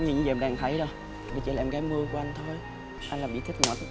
những gì em đang thấy đâu đấy chỉ là em gái mưa của anh thôi